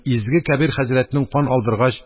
Изге кәбир хәзрәтнең кан алдыргач